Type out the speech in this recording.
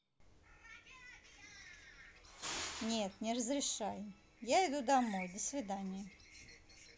нет не разрешай я иду домой до свидания